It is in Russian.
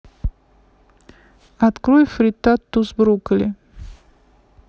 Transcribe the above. открой фриттату с брокколи